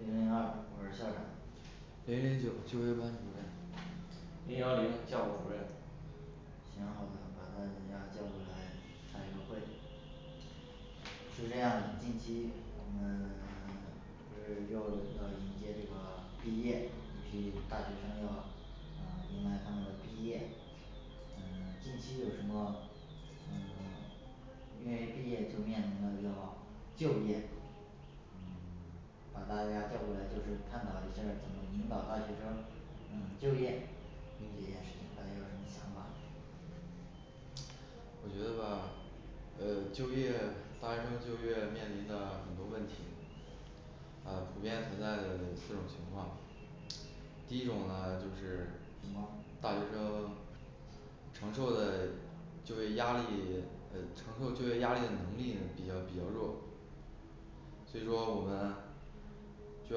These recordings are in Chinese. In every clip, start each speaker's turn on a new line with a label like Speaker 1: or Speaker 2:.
Speaker 1: 零零二我是校长
Speaker 2: 零零九就业班主任
Speaker 3: 零幺零教务主任
Speaker 1: 行好的，把大家叫过来开一个会是这样的近期我们 就是又要迎接这个毕业一批大学生要啊迎来他们的毕业嗯 近期有什么嗯 因为毕业就面临了要就业，嗯 把大家叫过来就是探讨一下儿怎么引导大学生嗯就业，这件事情大家有什么想法
Speaker 2: 我觉得吧呃就业大学生就业面临的很多问题啊普遍存在的四种情况。第一种呢就是
Speaker 1: 什么
Speaker 2: 大学生承受的就业压力呃承受就业压力的能力呢比较比较弱所以说我们就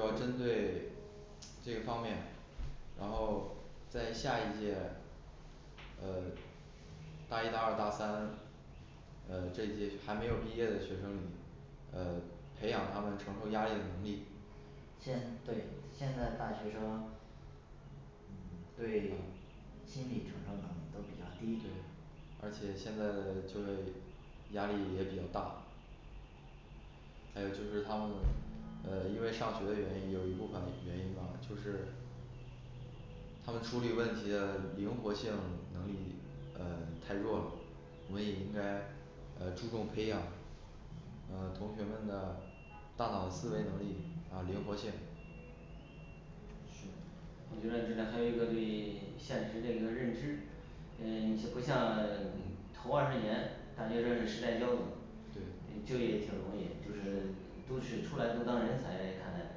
Speaker 2: 要针对这个方面，然后在下一届呃大一大二大三，呃这些还没有毕业的学生里呃培养他们承受压力的能力
Speaker 1: 先对现在大学生嗯对心理承受能力都比较
Speaker 2: 对
Speaker 1: 低
Speaker 2: 而且现在的就业压力也比较大还有就是他们呃因为上学的原因，有一部分原因吧就是他们处理问题的灵活性能力嗯太弱了，我们也应该呃注重培养呃同学们的大脑思维能力还有灵活性
Speaker 1: 是
Speaker 3: 我觉得这个还有一个对 现实的一个认知，呃你这不像头二十年大学生是时代骄子
Speaker 2: 对
Speaker 3: 诶就业挺容易，就是都是出来都当人才看待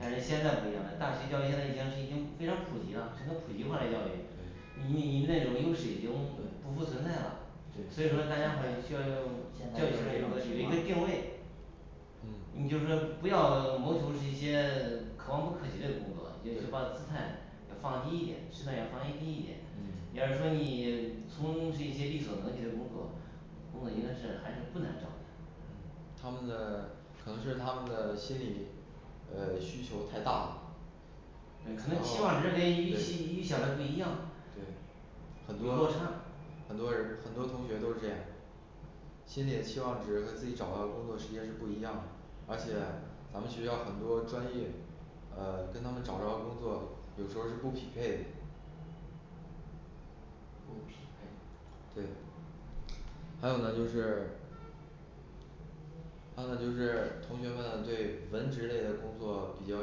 Speaker 3: 但是现在不一样了，大学教育现在已经是已经非常普及了成了普及化的教育
Speaker 2: 对
Speaker 3: 你你们那种优势已经
Speaker 2: 对
Speaker 3: 不复存在了，
Speaker 2: 对
Speaker 3: 所以说大家伙儿需要要有
Speaker 1: 现在
Speaker 3: 要
Speaker 1: 是这
Speaker 3: 有
Speaker 1: 种
Speaker 3: 个有一个
Speaker 1: 情
Speaker 3: 定
Speaker 1: 况
Speaker 3: 位
Speaker 2: 嗯
Speaker 3: 你就说不要谋求是一些可望不可及的工作，就把姿态要放低一点，适当要放一低一点。要是说你 从事一些力所能及的工作工作应该是还是不难找的
Speaker 2: 他们的可能是他们的心理呃需求太大了然
Speaker 3: 可能期
Speaker 2: 后
Speaker 3: 望值跟
Speaker 2: 对
Speaker 3: 预期预想的不一样
Speaker 2: 对
Speaker 3: 有
Speaker 2: 很多
Speaker 3: 落差
Speaker 2: 很多人很多同学都是这样心里的期望职业和自己找到的工作职业是不一样的，而且咱们学校很多专业嗯跟他们找着的工作有时候儿是不匹配的
Speaker 1: 不匹配
Speaker 2: 对还有呢就是啊就是同学们对文职类的工作比较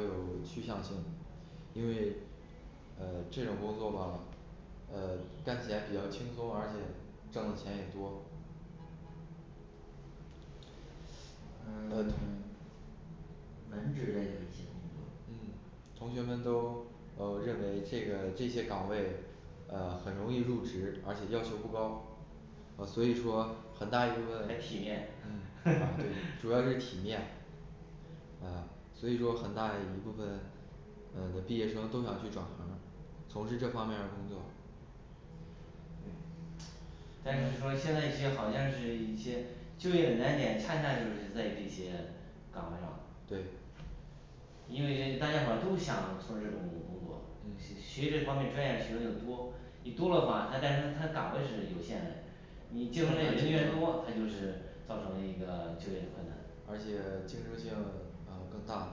Speaker 2: 有趋向性因为呃这种工作吧呃干起来比较轻松而且挣的钱也多
Speaker 1: 嗯
Speaker 2: 呃
Speaker 1: 文职类的一些工作
Speaker 2: 嗯同学们都哦认为这个这些岗位呃很容易入职，而且要求不高，呃所以说很大一部分
Speaker 3: 很体面
Speaker 2: 嗯，啊对 主要就是体面啊所以说很大一部分呃这毕业生都想去转行儿了，从事这方面儿工作。
Speaker 1: 对
Speaker 3: 但是说现在一些好像是一些就业的难点，恰恰就是在这些岗位上
Speaker 2: 对
Speaker 3: 因为这大家伙儿都想从事这种工作，
Speaker 2: 嗯
Speaker 3: 学学这方面专业学生又多你多了话，她但是他岗位是有限的，你进
Speaker 2: 更
Speaker 3: 入
Speaker 2: 难
Speaker 3: 人
Speaker 2: 竞
Speaker 3: 员
Speaker 2: 争
Speaker 3: 多，他就是造成了一个就业困难
Speaker 2: 而且竞争性啊更大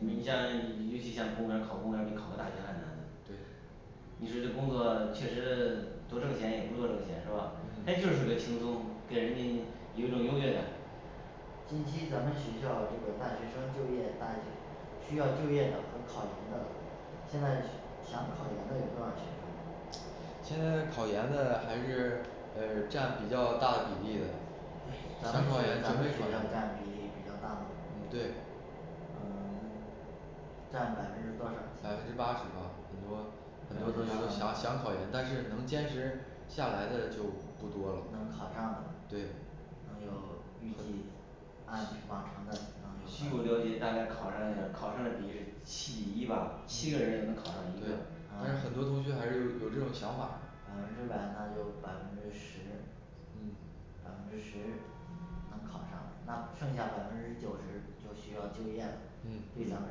Speaker 1: 竞
Speaker 3: 你
Speaker 1: 争
Speaker 3: 像尤其像公务员儿考公务员儿比考个大学还难嘞
Speaker 2: 对
Speaker 3: 你说这工作确实多挣钱也不多挣钱是吧？他
Speaker 2: 嗯
Speaker 3: 就是个轻松给人家一种优越感
Speaker 1: 近期咱们学校这个大学生就业大需 需要就业的和考研的现在西 想考研的有多少学生呢
Speaker 2: 现在考研的还是呃占比较大比例的
Speaker 1: 咱
Speaker 2: 咱
Speaker 1: 们
Speaker 2: 们考
Speaker 1: 学
Speaker 2: 研
Speaker 1: 咱们学校占比例比较大吗。
Speaker 2: 对
Speaker 1: 嗯 占百分之多少现
Speaker 2: 百
Speaker 1: 在
Speaker 2: 分之八十吧很多都想想考研，但是能坚持下来的就不多了
Speaker 1: 能考上的
Speaker 2: 对
Speaker 1: 能有预计按往常的能有
Speaker 3: 据我了解大概考上也考上的比例是七比一吧七个人能考上一个
Speaker 2: 但
Speaker 1: 嗯
Speaker 2: 是，很多同学还是有有这种想法
Speaker 1: 百分之百那就百分之十嗯百分之十能考上，那剩下百分之九十就需要就业了
Speaker 3: 嗯
Speaker 1: 对咱们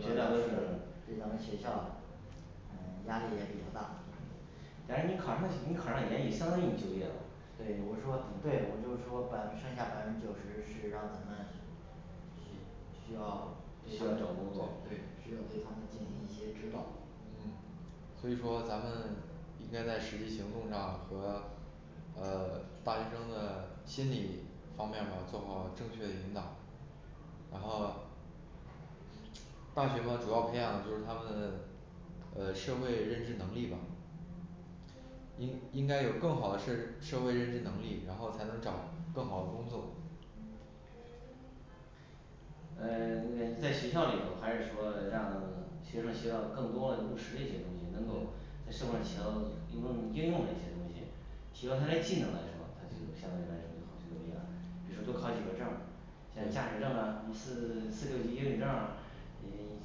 Speaker 1: 这个
Speaker 3: 大
Speaker 1: 老
Speaker 3: 多数
Speaker 1: 师的
Speaker 3: 人
Speaker 1: 对咱们学校嗯压力也比较大
Speaker 3: 但是你考上你考上研也相当于就业了
Speaker 1: 对我说对我就是说百分剩下百分之九十是让咱们需需要对
Speaker 2: 需
Speaker 1: 他
Speaker 2: 要
Speaker 1: 们
Speaker 2: 找工作
Speaker 1: 对，需要对他们进行一些指导嗯
Speaker 2: 所以说咱们应该在实际行动上和呃 大学生的心理方面吧做好正确的引导然后大学嘛主要培养就是他们呃社会认知能力吧应应该有更好是社会认知能力，然后才能找更好的工作
Speaker 1: 嗯
Speaker 3: 嗯同学你在学校里头还是说让学生学到更多的务实的一些东西能够
Speaker 2: 嗯
Speaker 3: 在社会上起到一种应用的一些东西，提高他嘞技能来说，他就相对来说好就业啦，比如说多考几个证儿像驾驶
Speaker 2: 对
Speaker 3: 证儿啊四四六级英语证儿啊嗯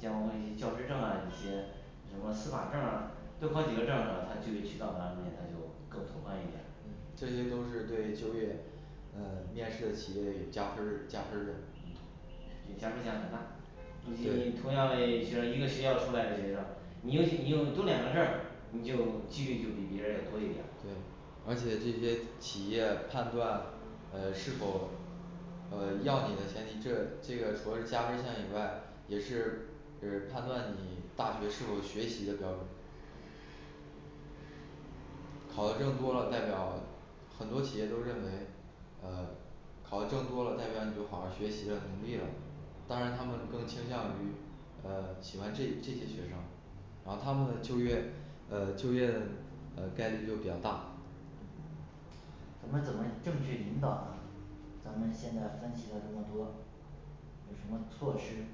Speaker 3: 像我们教师证儿啊一些什么司法证儿啊多考几个证儿啊他就业渠道方面他就更拓宽一点儿
Speaker 2: 这
Speaker 1: 嗯
Speaker 2: 些都是对就业呃面试的企业有加分儿加分儿的
Speaker 1: 嗯
Speaker 3: 就加分儿项很大以
Speaker 2: 对
Speaker 3: 同样嘞就是一个学校出来嘞学生你有你有多两个证儿，你就几率就比别人要多一点儿
Speaker 2: 对而且这些企业判断呃是否呃要你的前提这这个除了是加分儿项以外，也是是判断你大学是否学习的标准考的证多了，代表很多企业都认为呃考的证多了，代表你就好好学习了努力了当然他们更倾向于呃喜欢这这些学生然后他们的就业呃就业呃概率就比较大。
Speaker 1: 咱们怎么正确引导呢？咱们现在分析了这么多，有什么措施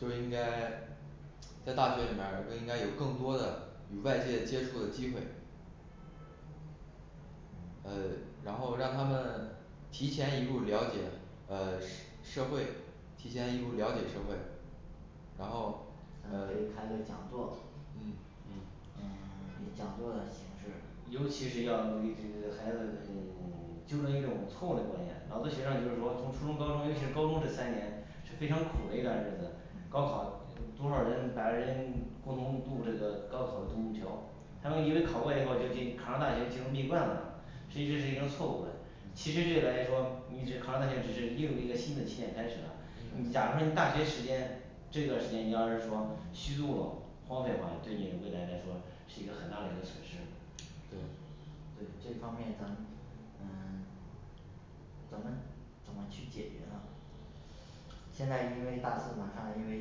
Speaker 1: 就应该在大学里面儿就应该有更多的与外界接触的机会。
Speaker 2: 呃然后让他们提前一步了解呃社社会，提前一步了解社会，然后
Speaker 1: 咱
Speaker 2: 呃
Speaker 1: 可以开个讲座
Speaker 2: 嗯
Speaker 3: 嗯
Speaker 1: 嗯 以讲座的形式
Speaker 3: 尤其是要与孩子 纠正一种错误的观念，老多学生就是说从初中高中尤其是高中这三年是非常苦的一段日子高考多少人把人家共同度过这个高考的独木桥，他们以为考过以后就进考上大学进入蜜罐啦实际这是一个错误嘞其实
Speaker 2: 嗯
Speaker 3: 这个来说你这考上大学只是另一个新的起点开始了，假如说你大学时间这段时间你要是说虚度了荒废的话，对你未来来说是一个很大嘞一个损失。
Speaker 2: 对
Speaker 1: 对这方面咱们嗯怎么怎么去解决呢？现在因为大四马上因为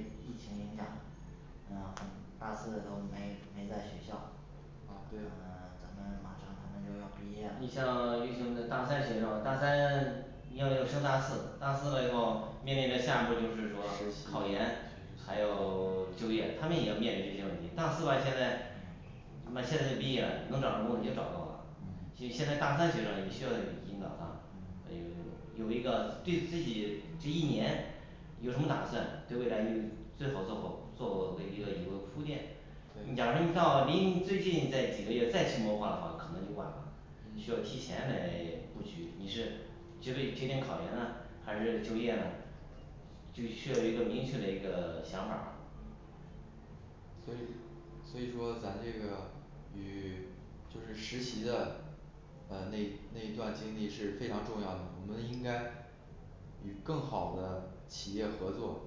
Speaker 1: 疫情影响，嗯很大四都没没在学校
Speaker 2: 啊
Speaker 1: 啊
Speaker 2: 对
Speaker 1: 咱们马上他们就要毕业
Speaker 3: 你
Speaker 1: 了
Speaker 3: 像尤其这大三学生大三 你要有升大四，大四了以后面临着下一步就是说
Speaker 2: 实
Speaker 3: 是考
Speaker 2: 习
Speaker 3: 研还有 就业，他们也要面临这些问题，大四吧现在能把现在毕业了能找到工作也找到了，
Speaker 2: 嗯
Speaker 3: 其实现在大三学生也需要引导哈
Speaker 2: 嗯
Speaker 3: 他有有有一个对自己这一年有什么打算，对未来有最好做做为一个一个铺垫你假
Speaker 2: 对
Speaker 3: 如你到离最近再几个月再去谋划的话，可能就晚了需要提前来布局，你是决对决定考研呢还是就业呢就需要一个明确的一个想法儿
Speaker 2: 所以所以说咱这个与就是实习的呃那一那一段经历是非常重要的，我们应该与更好的企业合作，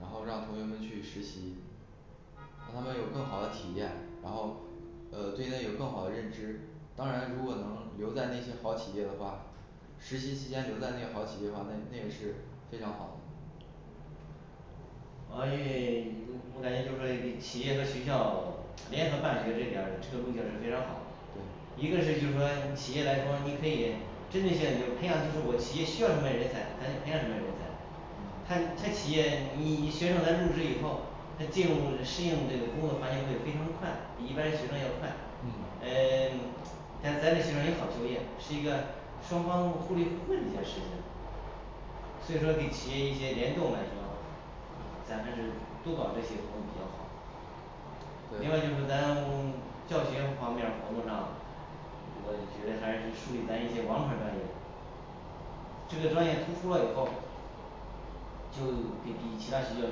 Speaker 2: 然后让同学们去实习，让他们有更好的体验，然后呃对他有更好的认知。当然如果能留在那些好企业的话实习期间留在那个好企业话，那那也是非常好
Speaker 3: 哦因为我感觉就是说这企业和学校联合办学这一点儿这个路径是非常好
Speaker 2: 对
Speaker 3: 一个是就是说企业来说，你可以针对性就培养就是我企业需要什么人才，咱就培养什么人才
Speaker 2: 嗯
Speaker 3: 他他企业你学生在入职以后，他进入适应这个工作环境会非常快，比一般学生要快
Speaker 2: 嗯
Speaker 3: 嗯 咱咱这学生也好就业，是一个双方互利互惠的一件事情所以说对企业一些联动来说，咱们这多搞这些活动比较好另外就
Speaker 2: 对
Speaker 3: 是说物咱教学方面儿活动上，我觉得还是属于咱一些王牌儿专业这个专业突出了以后就给其其他学校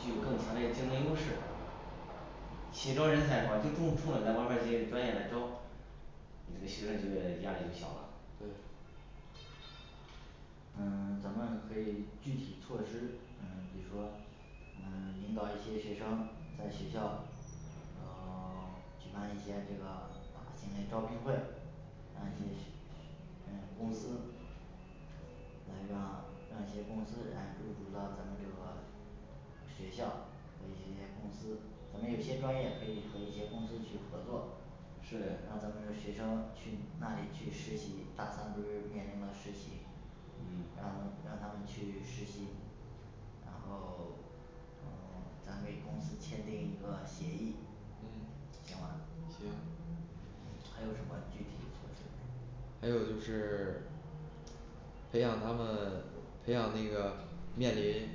Speaker 3: 具有更强烈竞争优势企业招人才的话就中不中了，在外面儿这些专业来招，你这个学生就业压力就小了
Speaker 2: 对
Speaker 1: 嗯咱们可以具体措施，嗯比如说嗯 引导一些学生在学校呃 举办一些这个大型嘞招聘会，但是嗯公司来让让一些公司来入驻到咱们这个学校和一些公司，咱们有些专业可以和一些公司去合作是让咱们这学生去那里去实习，大三不是面临了实习嗯然后让他们去实习然后 嗯 咱给公司签订一个协议
Speaker 2: 嗯
Speaker 1: 行吧
Speaker 2: 行
Speaker 1: 还有什么具体嘞措施吗
Speaker 2: 还有就是 培养他们 培养那个面临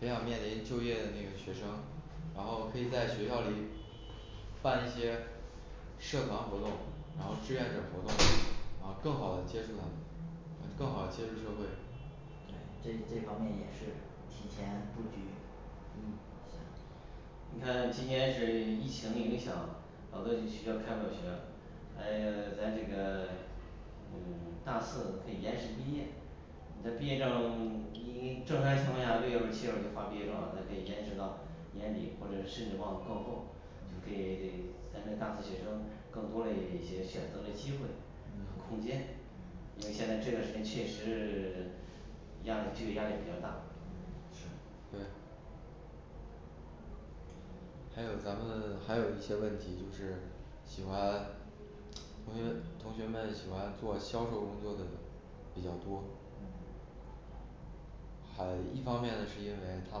Speaker 2: 培养面临就业的那个学生然后可以在学校里办一些社团活动，然后志愿者活动，啊更好的接触他们，嗯更好的接触社会
Speaker 1: 对这这方面也是提前布局嗯行
Speaker 3: 你看今年是疫情影响，好多学校开不了学还有在这个嗯大四可以延迟毕业你的毕业证你正常情况下六月份七月份就发毕业证了，它可以延迟到年底或者甚至往靠后就可以给咱这大四学生更多的一些选择的机会和空
Speaker 1: 嗯
Speaker 3: 间因为现在这段儿时间确实 压力就业压力比较大
Speaker 1: 嗯是
Speaker 2: 对还有咱们还有一些问题就是喜欢同学同学们喜欢做销售工作的比较多
Speaker 1: 嗯
Speaker 2: 还一方面呢是因为他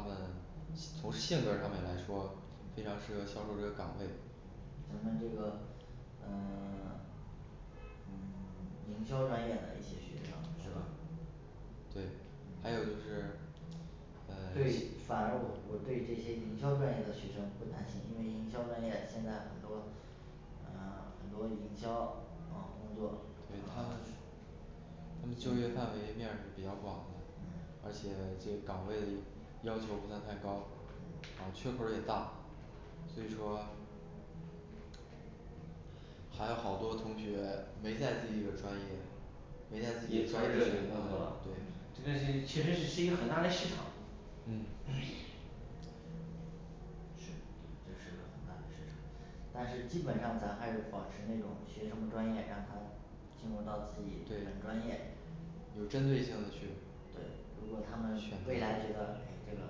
Speaker 2: 们从性格儿上面来说非常适合销售这个岗位
Speaker 1: 咱们这个嗯 嗯 营销专业的一些学生是吧
Speaker 2: 对，还有就
Speaker 1: 嗯
Speaker 2: 是
Speaker 1: 对
Speaker 2: 嗯
Speaker 1: 反而我我对这些营销专业的学生不担心，因为营销专业现在很多嗯很多营销嗯工作嗯
Speaker 2: 对他那是他们就业范围面儿是比较广的岗位要求不算太高嗯
Speaker 1: 嗯
Speaker 2: 缺口儿也大，所以说还有好多同学没在自己的专业，
Speaker 1: 没在自己专业工作了
Speaker 3: 这个这个确实是一个很大嘞市场
Speaker 2: 嗯
Speaker 1: 是对这是个很大的市场但是基本上咱还是保持那种学什么专业让他进入到自己本
Speaker 2: 对
Speaker 1: 专业，
Speaker 2: 有针对性的去
Speaker 1: 对如果他们未来觉得哎这个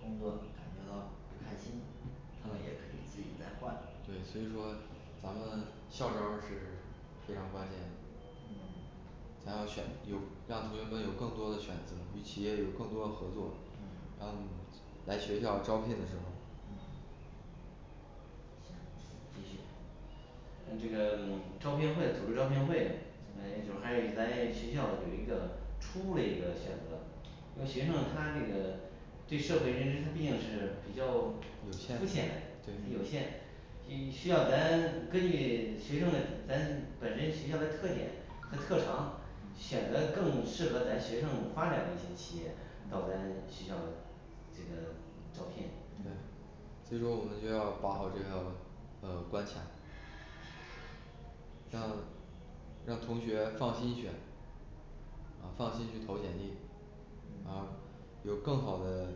Speaker 1: 工作感觉到不开心，他们也可以自己再换
Speaker 2: 对所以说咱们校招是非常关键
Speaker 1: 嗯
Speaker 2: 然后选有让同学们有更多的选择，与企业有更多的合作
Speaker 1: 嗯
Speaker 2: 嗯来学校招聘的时候儿
Speaker 1: 嗯继续
Speaker 3: 那这个嗯招聘会，组织招聘会，就还是咱学校有一个初步嘞一个选择因为学生他这个对社会认知他毕竟是比较
Speaker 2: 有
Speaker 3: 肤
Speaker 2: 限
Speaker 3: 浅嘞有
Speaker 2: 对
Speaker 3: 限需需要咱 根据学生嘞咱本身学校嘞特点和特长选择更适合咱学生发展的一些企业到咱学校这个招聘
Speaker 2: 对所以说我们就要把好这个呃关卡让让同学放心选啊放心去投简历，啊
Speaker 1: 嗯
Speaker 2: 有更好的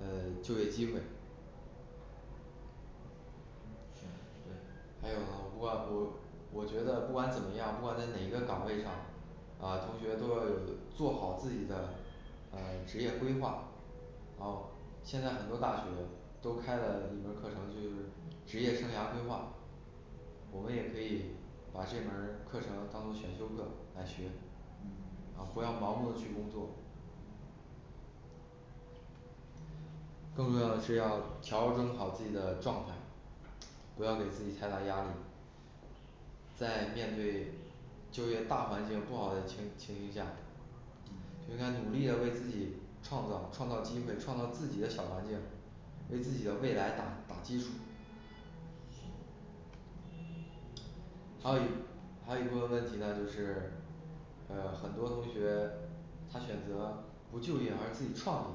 Speaker 2: 呃就业机会
Speaker 1: 是对
Speaker 2: 还有我我我觉得不管怎么样，不管在哪一个岗位上啊同学都要有做好自己的呃职业规划啊现在很多大学都开了一门儿课程，就职业生涯规划我们也可以把这门儿课程当作选修课来学，嗯
Speaker 1: 嗯
Speaker 2: 不要盲目的去工作更重要的是要调整好自己的状态，不要给自己太大压力在面对就业大环境不好的情情形下
Speaker 1: 嗯
Speaker 2: 应该努力的为自己创造创造机会，创造自己的小环境，为自己的未来打打基础
Speaker 1: 是继
Speaker 2: 还有一
Speaker 1: 续
Speaker 2: 还有一部分问题呢就是，嗯很多同学他选择不就业而是自己创业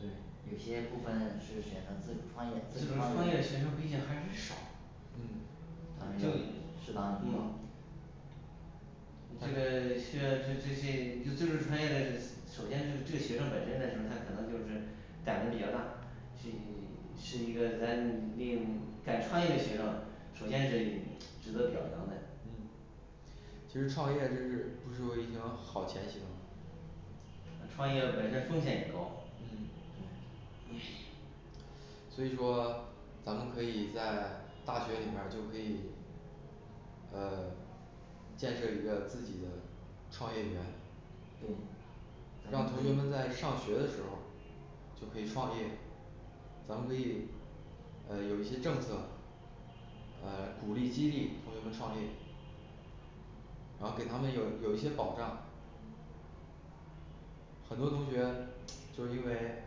Speaker 1: 对，有些部分是选择自主创业，自
Speaker 3: 自
Speaker 1: 主
Speaker 3: 主创
Speaker 1: 创
Speaker 3: 业
Speaker 1: 业
Speaker 3: 学生毕竟还是少
Speaker 1: 咱们
Speaker 2: 嗯
Speaker 1: 就
Speaker 2: 正确
Speaker 1: 适当引导
Speaker 2: 嗯
Speaker 3: 这个需要对对对就自主创业嘞，首先这个这个学生本身来说他可能就是胆子比较大这 是一个咱领敢创业的学生，首先是值得表扬的
Speaker 2: 嗯其实创业真是不失为一个好前行
Speaker 3: 那创业本身风险也高
Speaker 2: 嗯
Speaker 1: 对
Speaker 2: 所以说咱们可以在大学里边儿就可以呃建设一个自己的创业园
Speaker 1: 对
Speaker 2: 让同学们在上学的时候儿就可以创业，咱们可以呃有一些政策呃鼓励激励同学们创业然后给他们有有一些保障。很多同学就是因为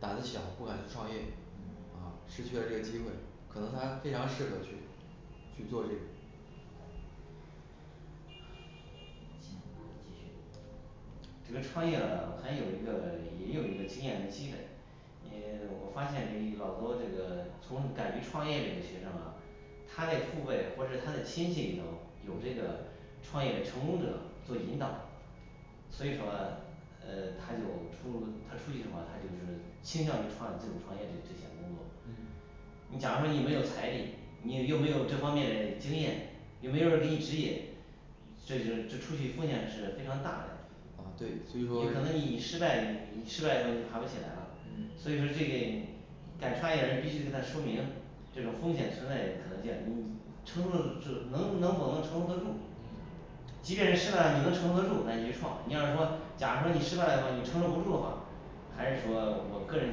Speaker 2: 胆子小，不敢去创业啊
Speaker 1: 嗯，
Speaker 2: 失去了这个机会，可能他非常适合去去做这个
Speaker 1: 行可以继续
Speaker 3: 这个创业吧还有一个也有一个经验积累你我发现你老多这个从敢于创业这个学生啊他嘞父辈或者他的亲戚里头有这个创业成功者做引导所以说呃他有出他出去的话，他就是倾向于创自主创业这这些工作
Speaker 2: 嗯
Speaker 3: 你假如说你没有财力，你又没有这方面的经验，又没有人儿给你指引这就是这出去风险是非常大嘞，
Speaker 2: 啊对，所以
Speaker 3: 也
Speaker 2: 说
Speaker 3: 可能你失败你失败了就爬不起来了所以
Speaker 2: 嗯
Speaker 3: 说这敢创业的人必须给他说明这种风险存在的可能性你承受住能能否能承受得住
Speaker 1: 嗯
Speaker 3: 即便是失败了你能承受得住，那你去创你要是说假如说你失败的话，你承受不住的话还是说我个人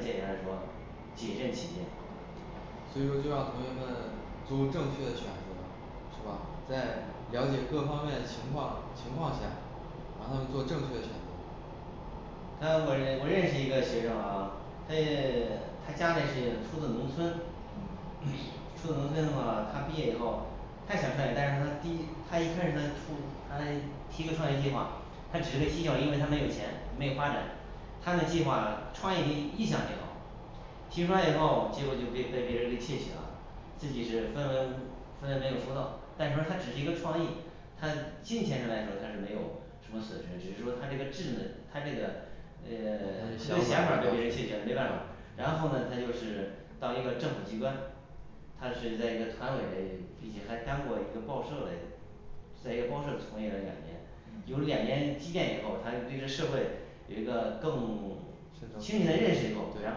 Speaker 3: 建议还是说谨慎起见
Speaker 2: 所以说就让同学们做出正确的选择是吧在了解各方面的情况情况下，让他们做正确的选择。
Speaker 3: 那我认我认识一个学生啊，他也 他家里是出自农村，
Speaker 1: 嗯
Speaker 3: 出自农村的话他毕业以后他也想创业，但是他第一他一开始呢出他提一个创业计划他只是个计划，因为他没有钱没有发展，他的计划创业意向挺好提出来以后，结果就被被别人给窃取啦，自己是分文无分文没有收到，但是说他只是一个创意
Speaker 1: 他金钱上来说他是没有什么损失，只是说他这个智呢他这个
Speaker 3: 嗯他这
Speaker 2: 他的
Speaker 3: 个
Speaker 2: 想
Speaker 3: 想法
Speaker 2: 法
Speaker 3: 被别人窃取了没办法儿，然后呢他就是到一个政府机关他是那个团委，并且还当过一个报社嘞在一个报社从业了两年有
Speaker 1: 嗯
Speaker 3: 两年积淀以后，他就对这社会有一个更
Speaker 2: 清
Speaker 3: 清醒
Speaker 2: 楚
Speaker 3: 的认识以后然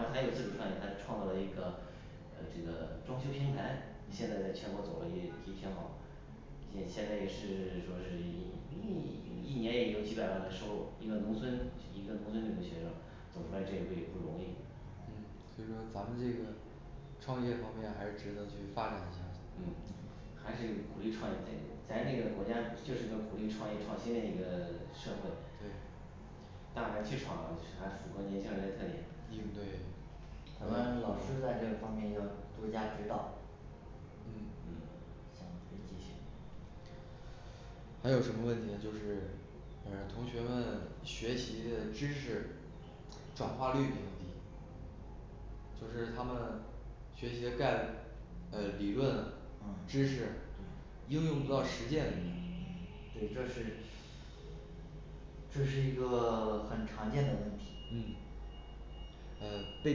Speaker 3: 后他又自主创业，他创造了一个呃这个装修平台，现在在
Speaker 1: 嗯
Speaker 3: 全国走嘞也也挺好嗯现在也是 说是一一一年也有几百万的收入，一个农村一个农村里的学生走出来这一步也不容易
Speaker 2: 嗯所以说咱们这个创业方面还是值得去发展一下
Speaker 3: 嗯还是鼓励创业者咱这个国家就是一个鼓励创业创新类一个社会
Speaker 2: 对
Speaker 3: 大胆去闯是还符合年轻人儿的特点
Speaker 2: 应对
Speaker 1: 咱们老师在这方面要多加指导
Speaker 2: 嗯
Speaker 3: 嗯
Speaker 1: 行可以继续
Speaker 2: 还有什么问题呢？就是嗯同学们学习的知识转化率比较低就是他们学习的概嗯理论
Speaker 1: 嗯
Speaker 2: 知
Speaker 1: 对
Speaker 2: 识
Speaker 1: 对
Speaker 2: 应用到实践里面
Speaker 1: 嗯对这是这是一个 很常见的问题
Speaker 2: 嗯呃被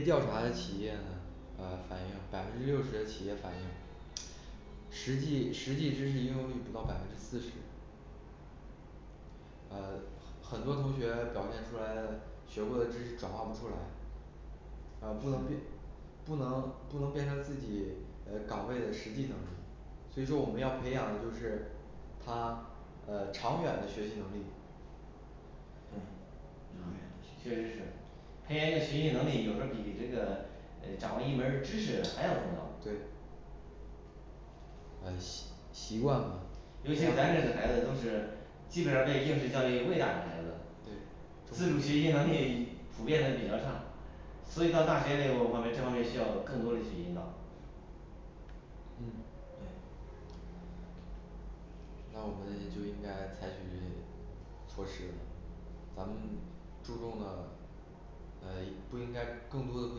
Speaker 2: 调查的企业呢呃反映，百分之六十的企业反映实际实际知识应用率不到百分之四十呃很多同学表现出来的学过的知识转化不出来啊不能变，不能不能变成自己呃岗位的实际当中所以说我们要培养的就是，他呃长远的学习能力
Speaker 1: 对
Speaker 3: 嗯确实是。培养一个学习能力，有时候比这个掌握一门儿知识还要重要
Speaker 2: 对呃习 习惯了
Speaker 3: 尤其是咱这儿的孩子都是基本上被应试教育喂大的孩子
Speaker 2: 对
Speaker 3: 自主学习能力普遍的比较差所以到大学里有方面这方面需要更多嘞去引导
Speaker 2: 嗯
Speaker 1: 对
Speaker 2: 那我们就应该采取措施，咱们注重的呃不应该更多的不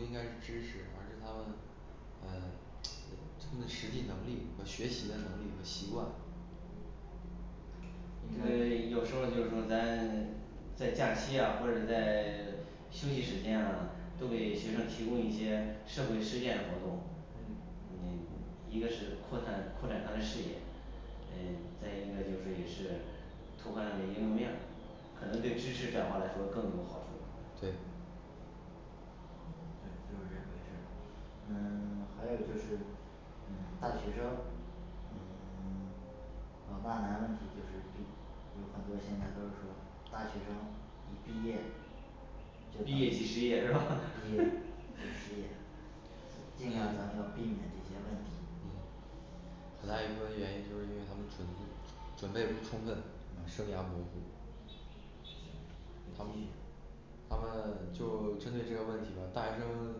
Speaker 2: 应该是知识，而是他们嗯他们的实际能力和学习的能力和习惯
Speaker 3: 因为有时候就是说咱 在假期呀或者在 休息时间啊都给学生提供一些社会实践活动
Speaker 1: 嗯
Speaker 3: 你一个是扩散扩展他嘞视野，嗯再一个就是也是拓宽了你的应用面儿可能对知识转化来说更有好处
Speaker 2: 对。
Speaker 1: 嗯对，就是这回事。嗯 还有就是嗯大学生嗯 老大难问题就是对就很多现在都是说大学生一毕业就
Speaker 3: 毕
Speaker 1: 等
Speaker 3: 业即失
Speaker 1: 于
Speaker 3: 业是吧
Speaker 1: 毕业就 是失业尽量咱们要避免这些问题
Speaker 2: 嗯很大一部分原因就是因为他们准，准备不充分生涯
Speaker 1: 嗯
Speaker 2: 模糊他们他们就针对这个问题，大学生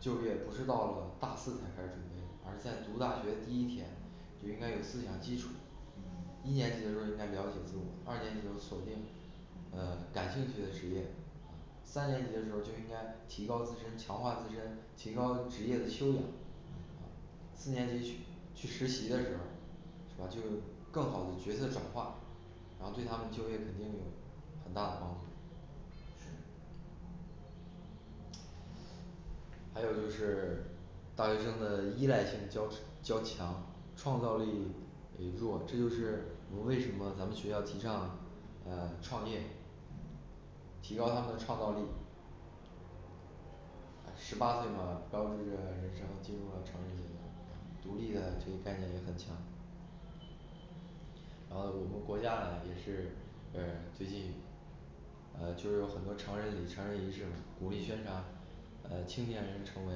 Speaker 2: 就业不是到了大四才开始准备，而是在读大学第一天就应该有思想基础，
Speaker 1: 嗯
Speaker 2: 一年级的时候应该了解自我，二年级的时候锁定呃感兴趣的职业三年级的时候就应该提高自身，强化自身，提高职业的修养四年级去 去实习的时候儿，是吧就更好的角色转化，然后对他们就业肯定有很大的帮助。还有就是大学生的依赖性较较强，创造力弱，这就是我们为什么咱们学校提倡啊创业
Speaker 1: 嗯
Speaker 2: 提高他们创造力唉十八岁的话标志着人生进入了成人阶段，独立的这个概念也很强然后我们国家也是嗯最近啊就是有很多成人礼成人仪式嘛鼓励宣传呃青年人成为